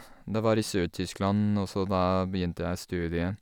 Det var i Sør-Tyskland, og så da begynte jeg studien.